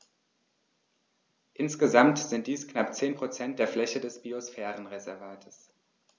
Insgesamt sind dies knapp 10 % der Fläche des Biosphärenreservates.